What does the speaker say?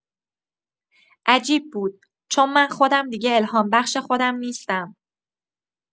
عجیب بود، چون من خودم دیگه الهام‌بخش خودم نیستم.